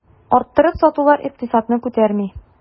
Арттырып сатулар икътисадны күтәрми.